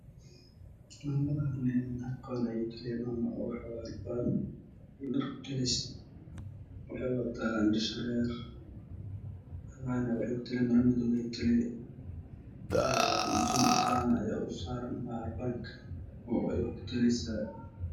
Mamadan harqan ayeey toleysa indha sharwerwadata maro madow ayaay tolaysa dun cadana ayaa usaaran harqanka oo ey ku tole